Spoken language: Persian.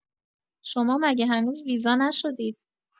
شما مگه هنوز ویزا نشدید؟